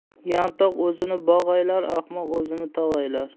yantoq o'zini bog' aylar ahmoq o'zini tog' aylar